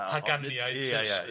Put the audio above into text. Paganiaid Saes... Ie ie ie.